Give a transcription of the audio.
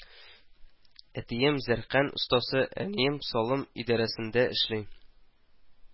Әтием зәркән остасы, әнием салым идарәсендә эшли